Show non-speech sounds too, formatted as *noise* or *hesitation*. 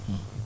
*hesitation* *hesitation*